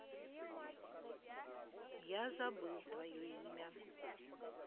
я забыл твое имя